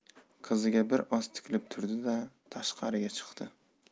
qiziga bir oz tikilib turdi da tashqariga chiqdi